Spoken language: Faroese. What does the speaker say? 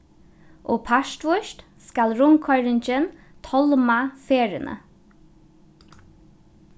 og partvíst skal rundkoyringin tálma ferðini